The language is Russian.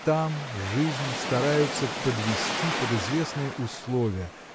там жизнь стараются подвести под известные условия